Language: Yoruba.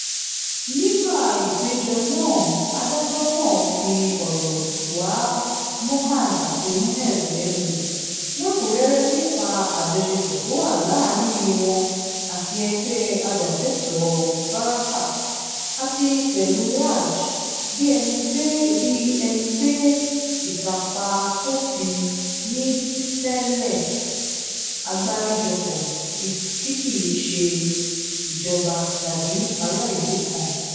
Nígbà ìpẹ̀jọ́ nàá, adájọ́ náà fi ọ̀rọ̀ wá Mohand àti Moez lẹ́nu wo lẹ́kùnrẹ́rẹ́ nípa àjọṣepọ̀ tó wa láàárín wọn àti ẹgbẹ́ ajáfẹ́tọ̀ọ́ “Barakat!” àti pẹ̀lú RAJ, bi ẹni pé bí ẹni pé ìtàpa sófin ni títẹ̀lẹ́ àgbáríjọpọ̀ tí kìí ṣe tìjọba tàbí ará ìlú kan.